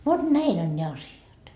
vot näin on ne asiat